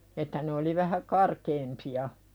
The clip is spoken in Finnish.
että ne oli vähän karkeampia